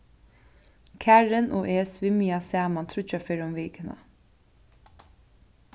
karin og eg svimja saman tríggjar ferðir um vikuna